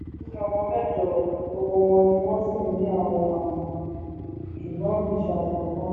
"Mo ní ọmọ mẹ́jọ, gbogbo wọn ni wọ́n sì ní àwọn àmì wọ̀nyìí, ṣùgbọ́n kìí ṣe àsìkò kan náà."